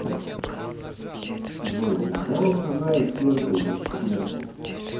джой когда высаживают перцы в грядку